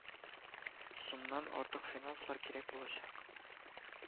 Сумнан артык финанслар кирәк булачак